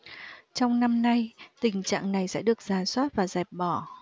trong năm nay tình trạng này sẽ được rà soát và dẹp bỏ